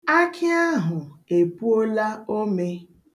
Akị ahụ epuola ome.